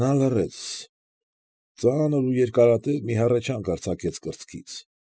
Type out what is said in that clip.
Նա լռեց, ծանր ու երկարատև մի հառաչանք արձակեց կրծքից։